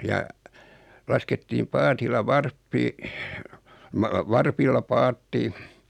ja laskettiin paatilla varppi - varpilla paatti